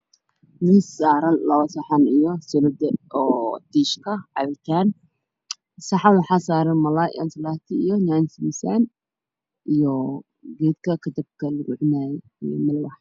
Miis saaran laba saxan iyosuludo oo dish iyo cabitaan saxan waxa saaran malaayi iyo geedka kajabka lagu cunayo